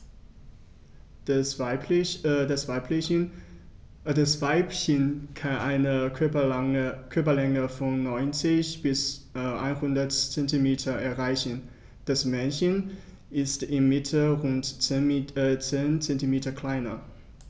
Das Weibchen kann eine Körperlänge von 90-100 cm erreichen; das Männchen ist im Mittel rund 10 cm kleiner.